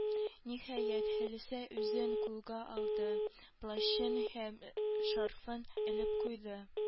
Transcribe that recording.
Ниһаять, Халисә үзен кулга алды, плащын һәм шарфын элеп куйды.